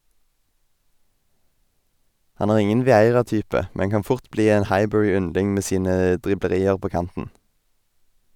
Han er ingen Vieira-type , men kan fort bli en Highbury-yndling med sine driblerier på kanten.